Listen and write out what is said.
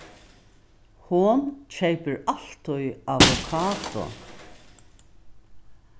hon keypir altíð avokado